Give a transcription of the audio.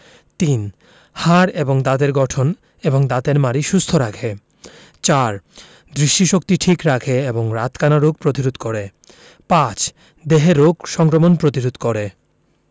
৩. হাড় এবং দাঁতের গঠন এবং দাঁতের মাড়ি সুস্থ রাখে ৪. দৃষ্টিশক্তি ঠিক রাখে এবং রাতকানা রোগ প্রতিরোধ করে ৫. দেহে রোগ সংক্রমণ প্রতিরোধ করে